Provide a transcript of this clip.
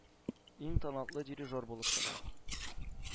Иң талантлы “дирижер” булып чыга.